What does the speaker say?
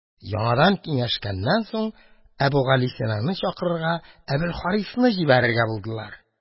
Яңадан киңәшкәннән соң, Әбүгалисинаны чакырырга Әбелхарисны җибәрергә булдылар.